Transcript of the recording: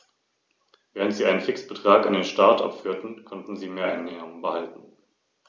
Das Fell der Igel ist meist in unauffälligen Braun- oder Grautönen gehalten.